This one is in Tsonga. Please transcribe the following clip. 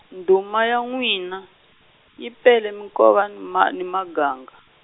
ndhuma ya n'wina, yi pele minkova ni ma ni maganga.